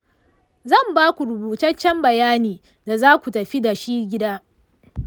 zan ba ku rubutaccen bayani da za ku tafi da shi gida.